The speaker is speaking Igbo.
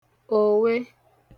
òwe